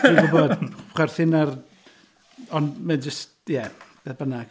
Dwi'n gwybod, chwerthin ar... Ond mae jyst, ie, be bynnag.